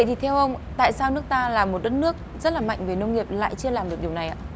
thì theo ông tại sao nước ta là một đất nước rất là mạnh về nông nghiệp lại chưa làm được điều này ạ